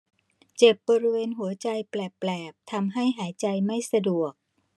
เจ็บบริเวณหัวใจแปลบแปลบทำให้หายใจไม่สะดวก